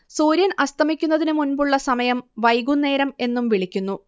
സൂര്യൻ അസ്തമിക്കുന്നതിന് മുൻപുള്ള സമയം വൈകുന്നേരംഎന്നും വിളിക്കുന്നു